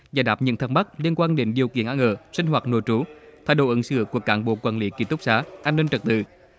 giải đáp những thắc mắc liên quan đến điều kiện ăn ở sinh hoạt nội trú thái độ ứng xử của cán bộ quản lý ký túc xá an ninh trật tự